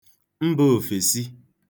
mba òfèsi